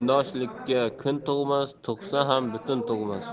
kundoshlikka kun tug'mas tug'sa ham butun tug'mas